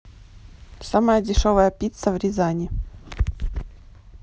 самая дешевая пицца в рязани